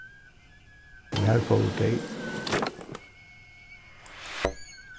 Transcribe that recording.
nær fóru tey